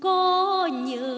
có